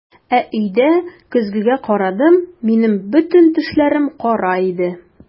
Ә өйдә көзгегә карадым - минем бөтен тешләрем кара иде!